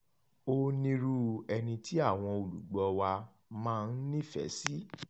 Ó nírú ẹni tí àwọn olùgbọ́ọ wa máa ń nífẹ̀ẹ́ sí.